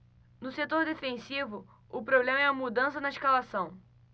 no setor defensivo o problema é a mudança na escalação